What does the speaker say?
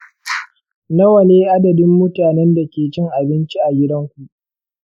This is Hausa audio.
nawa ne adadin mutanen da ke cin abinci a gidanku?